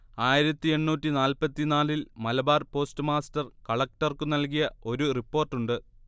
ആയിരത്തിഎണ്ണൂറ്റിനാല്പതിനാലിൽ Malabar postmaster കളക്ടർക്കു നൽകിയ ഒരു റിപ്പോർട്ടുണ്ട്